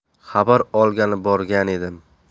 xabar olgani borgan edim